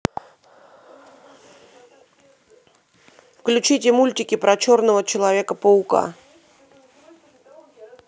включите мультики про черного человека паука